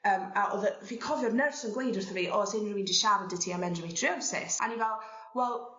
yym a o'dd y... Fi cofio'r nyrs yn gweud wrtho fi o o's unrywun 'di siarad i ti am endometriosis a o'n i fel wel